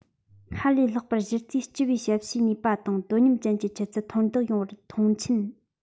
སྔར ལས ལྷག པར གཞི རྩའི སྤྱི བའི ཞབས ཞུའི ནུས པ དང དོ སྙོམས ཅན གྱི ཆུ ཚད མཐོར འདེགས ཡོང བར མཐོང ཆེན